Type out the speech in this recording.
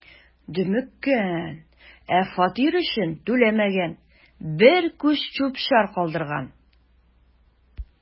„дөмеккән, ә фатир өчен түләмәгән, бер күч чүп-чар калдырган“.